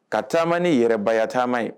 Ka taa ni yɛrɛ ba taama ye